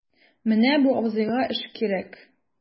Менә бу абзыйга эш кирәк...